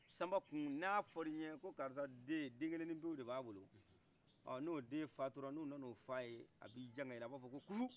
sanba tun n'a fɔr' i ɲɛ ko karisa den den kelenni peu de ba bolo ɔ n' o den fatura n' u na' o f' aye abi jan ka yɛlɛ a b'a fɔ ko kuhu